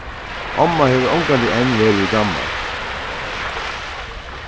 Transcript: omma hevur ongantíð enn verið í danmark